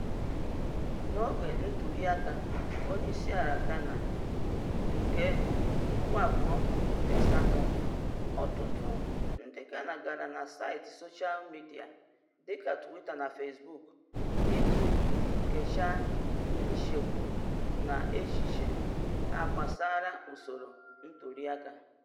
N'oge ntuliaka Onyeisiala Ghana nke 2008, ọtụtụ ndị Ghana gara na saịtị soshal midịa dịka Twitter na Facebook iji kesaa nchegbu na echiche ha gbasara usoro ntuliaka.